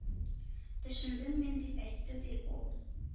Төшендем мин, — дип әйтте, ди, ул.